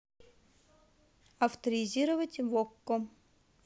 авторизоваться в окко